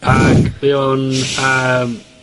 ...ag be o'n, yym